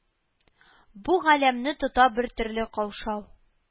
Бу галәмне тота бертөрле каушау